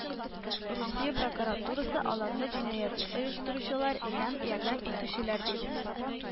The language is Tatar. Русия прокуратурасы аларны җинаятьне оештыручылар һәм ярдәм итүчеләр, диде